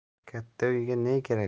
katta uyga ne kerak